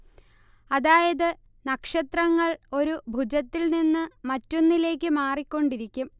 അതായത് നക്ഷത്രങ്ങൾ ഒരു ഭുജത്തിൽ നിന്ന് മറ്റൊന്നിലേക്ക് മാറിക്കൊണ്ടിരിക്കും